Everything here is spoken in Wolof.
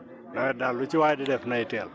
nawet daal lu ci waay di def nay teel